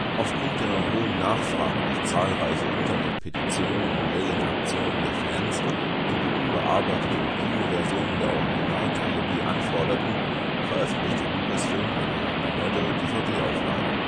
Auf Grund einer hohen Nachfrage durch zahlreiche Internet-Petitionen und Mailing-Aktionen der Fans, die die unbearbeiteten Kinoversionen der Originaltrilogie anforderten, veröffentlichte Lucasfilm eine erneute DVD-Auflage